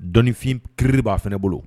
Dɔnifin p kiiriri b'a fana ne bolo